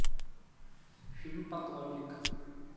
фильм поклонник